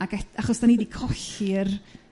ag et- achos dyn ni 'di colli'r